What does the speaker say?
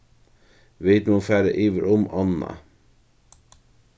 vit mugu fara yvir um ánna